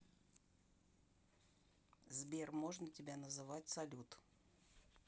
сбер можно тебя называть салют